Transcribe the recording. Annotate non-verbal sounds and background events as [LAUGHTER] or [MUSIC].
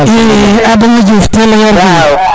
Adama Diouf [UNINTELLIGIBLE]